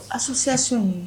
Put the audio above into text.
A suya sɔn